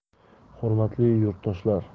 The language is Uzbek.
hurmatli yurtdoshlar